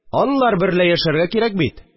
Анлар берлә яшәргә кирәк бит